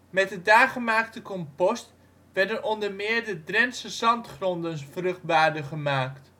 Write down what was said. Met de daar gemaakte compost werden onder meer de Drentse zandgronden vruchtbaarder gemaakt